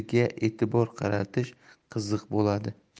nomzodiga e'tibor qaratish qiziq bo'ladi